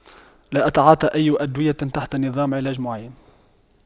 لا أتعاطى أي أدوية تحت نظام علاج معين